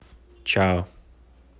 чао